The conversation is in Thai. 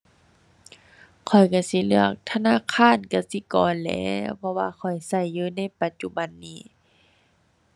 ข้อยก็สิเลือกธนาคารกสิกรแหล้ว เพราะว่าข้อยก็อยู่ในปัจจุบันนี้